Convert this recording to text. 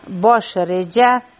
bosh reja